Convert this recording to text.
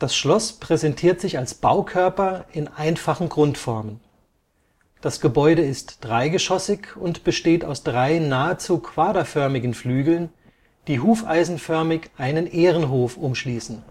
Schloss präsentiert sich als Baukörper in einfachen Grundformen. Das Gebäude ist dreigeschossig und besteht aus drei nahezu quaderförmigen Flügeln, die hufeisenförmig einen Ehrenhof umschließen